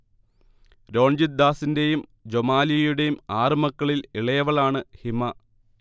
രോൺജിത് ദാസിന്റെയും ജൊമാലിയുടെയും ആറുമക്കളിൽ ഇളയവളാണ് ഹിമ